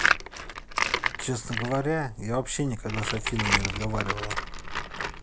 честно говоря я вообще никогда с афиной не разговаривала